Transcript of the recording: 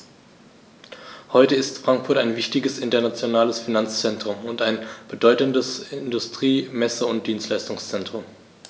Heute ist Frankfurt ein wichtiges, internationales Finanzzentrum und ein bedeutendes Industrie-, Messe- und Dienstleistungszentrum.